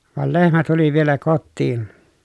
vaan lehmä tuli vielä kotiin